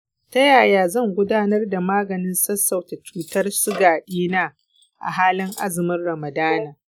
ta yaya zan gudanar da maganin sassauta cutar suga ɗina a halin azumin ramadana?